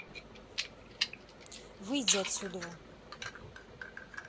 выйди отсюдова